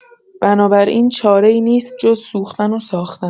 بنابراین چاره‌ای نیست جز سوختن و ساختن.